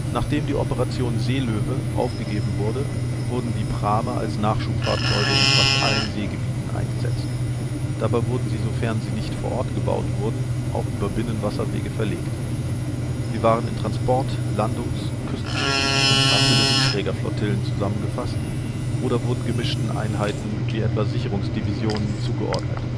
Nachdem die Operation Seelöwe aufgegeben wurde, wurden die Prahme als Nachschubfahrzeuge in fast allen Seegebieten eingesetzt. Dabei wurden sie, sofern sie nicht vor Ort gebaut wurden, auch über Binnenwasserwege verlegt. Sie waren in Transportflottillen, Landungsflottillen, Küstenschutzflottillen und Artillerieträgerflottillen zusammengefasst oder wurden gemischten Einheiten wie etwa Sicherungsdivisionen zugeordnet